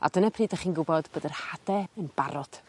a dyna pryd 'dych chi'n gwbod bod yr hade yn barod.